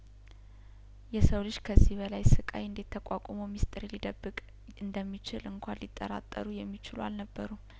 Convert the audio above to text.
የሰው ልጅ ከዚህ በላይ ስቃይ እንዴት ተቋቁሞ ሚስጥርን ሊደብቅ እንደሚችል እንኳን ሊጠራ ጠሩ የሚችሉ አልነበሩም